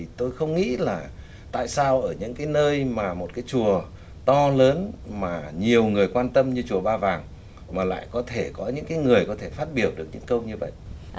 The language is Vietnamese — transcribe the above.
thì tôi không nghĩ là tại sao ở những nơi mà một cái chùa to lớn mà nhiều người quan tâm như chùa ba vàng mà lại có thể có những người có thể phát biểu được những câu như vậy